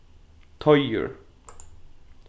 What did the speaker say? teigur